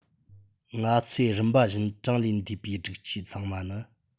ང ཚོས རིམ པ བཞིན དུ གྲངས ལས འདས པའི སྒྲིག ཆས ཚང མ ནི